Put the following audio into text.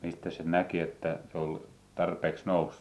mistä sen näki että se oli tarpeeksi noussut